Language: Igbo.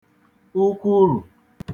ukwurù